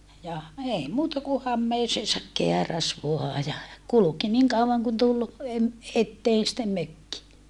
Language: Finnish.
ja ei muuta kuin hameeseensa kääräisi vain ja kulki niin kauan kuin tuli - eteen sitten mökki